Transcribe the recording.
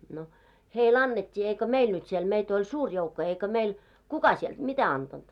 no heille annettiin eikö meille nyt siellä meitä oli suuri joukko eikö meille kuka sieltä mitä antanut